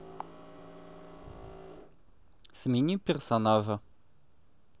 смени персонажа